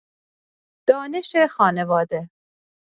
دانش خانواده